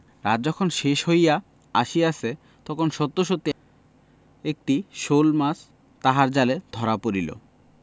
রাত যখন শেষ হইয়া আসিয়াছে তখন সত্য সত্যই একটি শোলমাছ তাহার জালে ধরা পড়িল